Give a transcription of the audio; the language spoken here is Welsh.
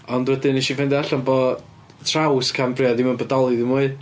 Ond wedyn wnes i ffeindio allan bod Traws-Cambria ddim yn bodoli ddim mwy.